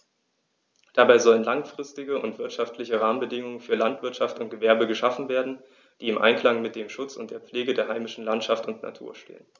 Dabei sollen langfristige und wirtschaftliche Rahmenbedingungen für Landwirtschaft und Gewerbe geschaffen werden, die im Einklang mit dem Schutz und der Pflege der heimischen Landschaft und Natur stehen.